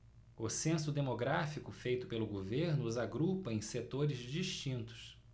o censo demográfico feito pelo governo os agrupa em setores distintos